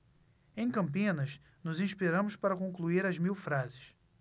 em campinas nos inspiramos para concluir as mil frases